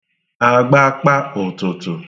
àgbakpa ụ̀tụ̀tụ̀